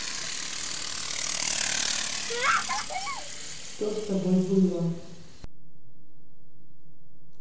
что с тобой было